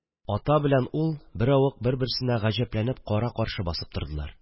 Ата белән ул беравык бер-берсенә гаҗәпләнеп кара-каршы басып тордылар